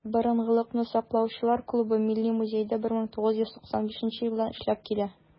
"борынгылыкны саклаучылар" клубы милли музейда 1995 елдан эшләп килә.